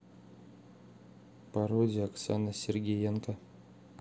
пародия оксана сергиенко